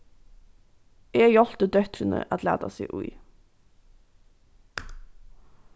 eg hjálpti dóttrini at lata seg í